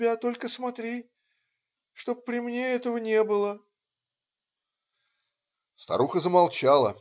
только смотри, чтоб при мне этого не было. " Старуха замолчала.